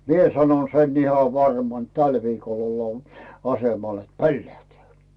minä sanoin sen ihan varmaan että tällä viikolla ollaan asemalla että pollähtää